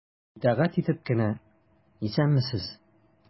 Итагать итеп кенә:— Исәнмесез!